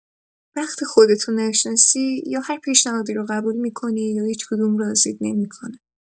وقتی خودت رو نشناسی، یا هر پیشنهادی رو قبول می‌کنی یا هیچ‌کدوم راضی‌ت نمی‌کنه.